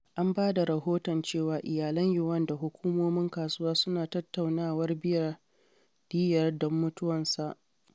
An ba da rahoton cewa iyalan Yuan da hukumomin kasuwar suna tattaunawar biyan diyyar don mutuwarsa.